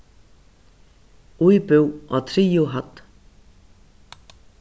íbúð á triðju hædd